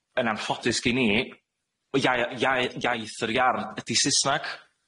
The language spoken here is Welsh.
yn anffodus gin i, y iai- iai- iaith yr iard ydi Susnag.